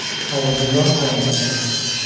Авызыннан кан килә.